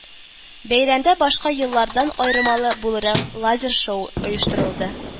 Бәйрәмдә башка еллардан аермалы буларак, лазер-шоу оештырылды